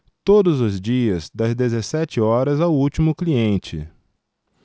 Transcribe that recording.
todos os dias das dezessete horas ao último cliente